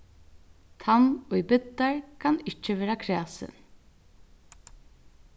tann ið biddar kann ikki vera kræsin